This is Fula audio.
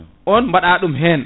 on mbaɗa ɗum hen